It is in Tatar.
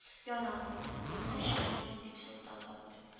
Ярамый, юлга чыгам бит, дип сылтау тапты